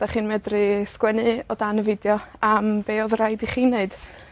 'dach chi'n medru sgwennu o dan y fideo am be' odd raid i chi neud